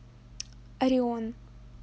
орион